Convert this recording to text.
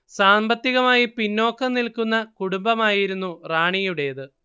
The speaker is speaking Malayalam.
സാമ്പത്തികമായി പിന്നോക്കം നിൽക്കുന്ന കുടുംബമായിരുന്നു റാണിയുടേത്